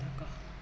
d' accord